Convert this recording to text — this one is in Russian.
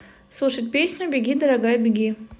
слушать песню беги дорогая беги